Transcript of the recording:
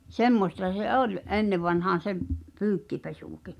semmoista se oli ennen vanhaan se pyykinpesukin